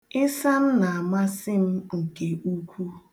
Ịsam na-amasị m nke ukwu.